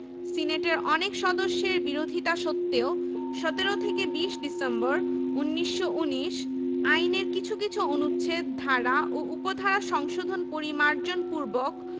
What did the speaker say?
সিনেটের অনেক সদস্যের বিরোধিতা সত্ত্বেও ১৭ থেকে ২০ ডিসেম্বর ১৯১৯ আইনের কিছু কিছু অনুচ্ছেদ ধারা ও উপধারা সংশোধন পরিমার্জন পূর্বক